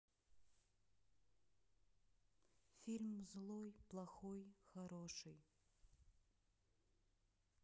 фильм злой плохой хороший